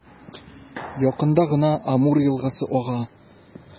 Якында гына Амур елгасы ага.